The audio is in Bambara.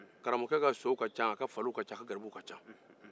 karamɔgɔkɛ sow ka ca a ka garibuw ka ca a ka faliw ka ca